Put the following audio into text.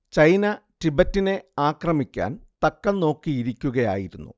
China ടിബറ്റിനെ ആക്രമിക്കാൻ തക്കം നോക്കിയിരിക്കുകയായിരുന്നു